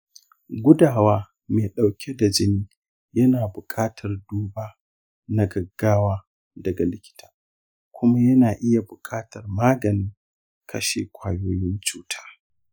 gudawa mai ɗauke da jini yana buƙatar duba na gaggawa daga likita kuma yana iya buƙatar maganin kashe ƙwayoyin cuta.